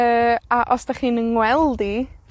yy, a os 'dach chi'n 'yng ngweld i,